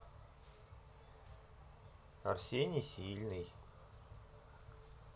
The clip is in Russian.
арсений сильный